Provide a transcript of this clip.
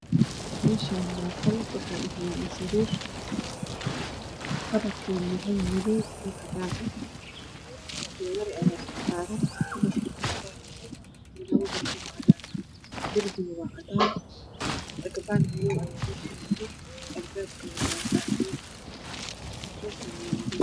Meeshaan waa qol waxaa dhex yaalo sariir madow iyo cadaan ah joodari ayaa dulsaaran cadaan ah iyo labo barkin oo cadaan ah darbigana waa cadaan. Katabaan madow ah ayaa yaalo albaabka waa qaxwi. KoobadKoobadiinka waa madow.